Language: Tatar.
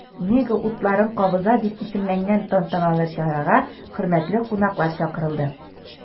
“мега утларын кабыза” дип исемләнгән тантаналы чарага хөрмәтле кунаклар чакырылды.